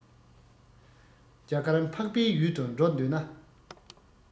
རྒྱ གར འཕགས པའི ཡུལ དུ འགྲོ འདོད ན